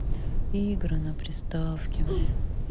игры на приставке